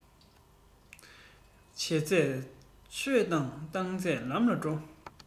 བྱས ཚད ཆོས དང བཏང ཚད ལམ ལ འགྲོ